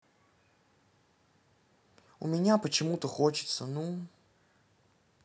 у меня почему то хочется ну